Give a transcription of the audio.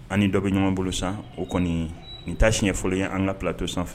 An dɔ bɛ ɲɔgɔn bolo san o kɔni nin taa siɲɛ ɲɛfɔ ye an ka ptɔ sanfɛ